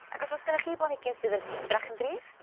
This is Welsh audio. Ag os o's gennach chi blanhigyn sydd yn edrach yn drist